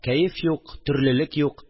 Кәеф юк, төрлелек юк